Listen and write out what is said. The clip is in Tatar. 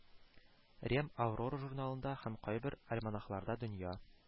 Рем «аврора» журналында һәм кайбер альманахларда дөнья